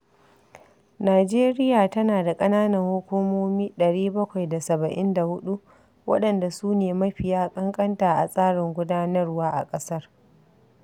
Nijeriya tana da ƙananan hukumomi 774, waɗanda su ne mafiya ƙanƙanta a tsarin gudanarwa a ƙasar.